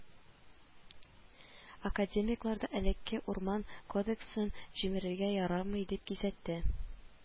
Академиклар да элекке урман кодексын җимерергә ярамый дип кисәтте